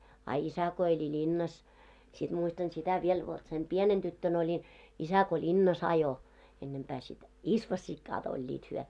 a isä kun eli linnassa sitten muistan sitä vielä vot sen pienenä tyttönä olin isä kun linnassa ajoi ennempää sitten isvossikat olivat he